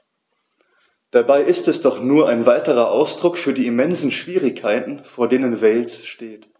Dabei ist es doch nur ein weiterer Ausdruck für die immensen Schwierigkeiten, vor denen Wales steht.